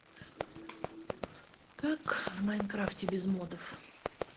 как в майнкрафте без модов